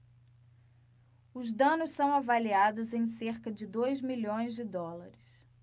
os danos são avaliados em cerca de dois milhões de dólares